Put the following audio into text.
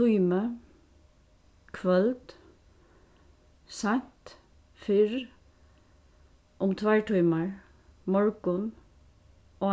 tími kvøld seint fyrr um tveir tímar morgun